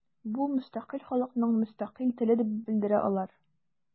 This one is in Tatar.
Бу – мөстәкыйль халыкның мөстәкыйль теле дип белдерә алар.